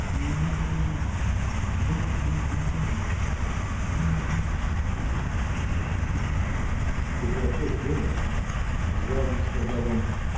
У меня никого нет, бабушка не поняла бы. Вы один. Простите меня! — Ты хорошо сделала. — с жаром сказал он.